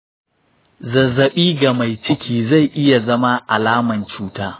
zazzaɓi ga mai ciki zai iya zama alaman cuta